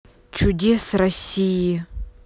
чудес россии